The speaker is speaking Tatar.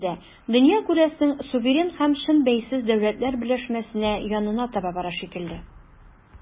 Һәрхәлдә, дөнья, күрәсең, суверен һәм чын бәйсез дәүләтләр берләшмәсенә янына таба бара шикелле.